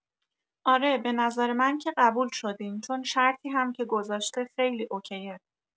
آره به نظر من که قبول شدین چون شرطی هم که گذاشته خیلی اوکیه